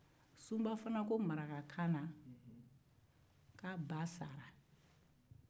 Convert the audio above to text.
sunba fana ko marakakan na k'a ba sara